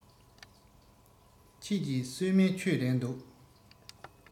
ཁྱེད ཀྱིས གསོལ སྨན མཆོད རན འདུག